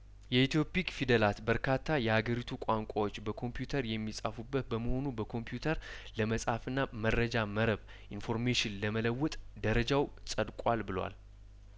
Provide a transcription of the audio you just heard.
የኢትዮ ፒክ ፊደላት በርካታ ያገሪቱ ቋንቋዎች በኮምፒውተር የሚጻፉበት በመሆኑ በኮምፒውተር ለመጻፍና መረጃ መረብ ኢንፎርሜሽን ለመለወጥ ደረጃው ጸድቋል ብሏል